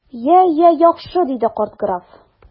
Я, я, яхшы! - диде карт граф.